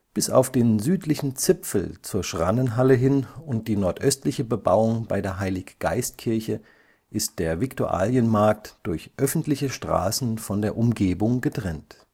Bis auf den südlichen „ Zipfel “zur Schrannenhalle hin und die nordöstliche Bebauung bei der Heilig-Geist-Kirche ist der Viktualienmarkt durch öffentliche Straßen von der Umgebung getrennt